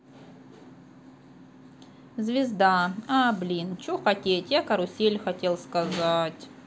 звезда a блин че хотеть я карусель хотел сказать